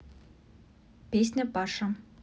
песня паша